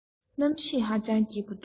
གནམ གཤིས ཧ ཅང སྐྱིད པོ འདུག